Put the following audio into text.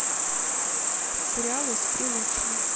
сериалы с прилучным